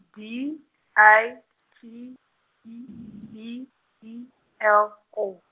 D, I, T, E, B E L, O.